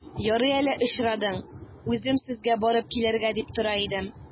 Ярый әле очрадың, үзем сезгә барып килергә дип тора идем.